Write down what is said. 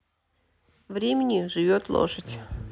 времени живет лошадь